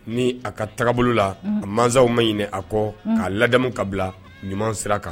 Ni a ka tagabolo la a mansaw ma ɲin a kɔ k'a ladamu ka bila ɲuman sira kan